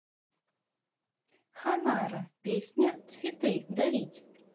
ханаро песня цветы дарить